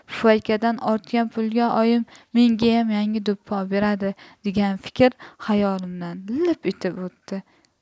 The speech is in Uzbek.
pufaykadan ortgan pulga oyim mengayam yangi do'ppi oberadi degan fikr lip etib xayolimdan o'tdi